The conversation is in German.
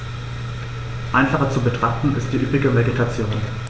Einfacher zu betrachten ist die üppige Vegetation.